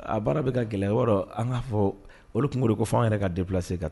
A baara bɛ ka gɛlɛ gɛlɛyayɔrɔ an ka fɔ olu tunur ko f'anw yɛrɛ ka denla se ka